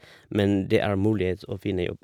Men det er mulighet å finne jobb.